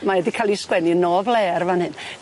Mae o 'di ca'l 'i sgwennu yn o flêr fan 'yn.